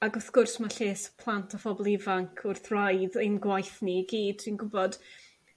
ag wrth gwrs ma' lles plant a phobol ifanc wrth raidd ein gwaith ni i gyd dwi'n gwybod